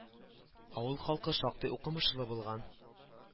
Авыл халкы шактый укымышлы булган